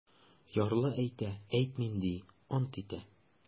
Ярлы әйтә: - әйтмим, - ди, ант итә.